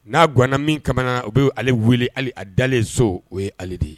N'a gwanana min ka u bɛ'ale wele a dalen so o ye ale de ye